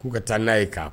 K'u ka taa n'a ye kan